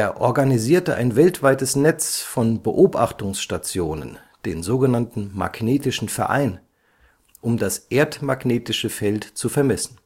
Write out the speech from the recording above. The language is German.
organisierte ein weltweites Netz von Beobachtungsstationen (Magnetischer Verein), um das erdmagnetische Feld zu vermessen